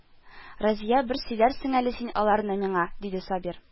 Разия, бер сөйләрсең әле син ал арны миңа, диде Сабир